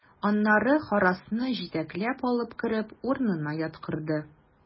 Аннары Харрасны җитәкләп алып кереп, урынына яткырды.